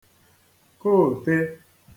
koote